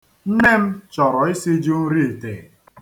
Nne m chọrọ isiju nri ite.